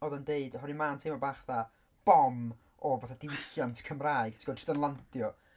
Oedd o'n deud oherwydd ma'n teimlad bach fatha bom o fatha diwylliant Cymraeg, ti'n gwybod, jyst yn landio.